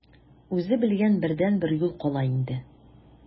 Үзе белгән бердәнбер юл кала инде.